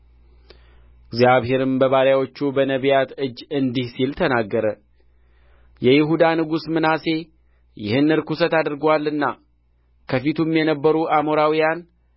እግዚአብሔርም በባሪያዎቹ በነቢያት እጅ እንዲህ ሲል ተናገረ የይሁዳ ንጉሥ ምናሴ ይህን ርኵሰት አድርጎአልና ከፊቱም የነበሩ አሞራውያን